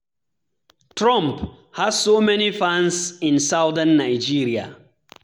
Trump has so many fans in southern Nigeria